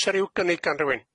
'Sa ryw gynnig gan riwin?